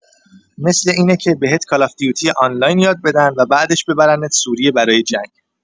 مثل اینه که، بهت کالاف دیوتی آنلاین یاد بدن و بعدش ببرنت سوریه برای جنگ